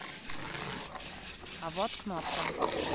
а вот кнопка